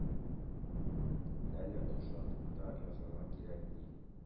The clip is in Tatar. Әле охшатып та ясарга кирәк, ди...